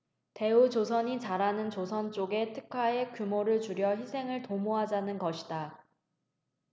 대우조선이 잘하는 조선 쪽에 특화해 규모를 줄여 회생을 도모하자는 것이다